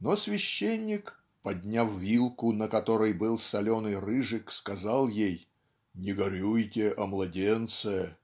но священник, "подняв вилку, на которой был соленый рыжик, сказал ей "Не горюйте о младенце.